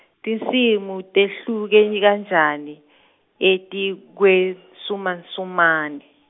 tinsimu tehluke ke kanjani etikwensumansumane?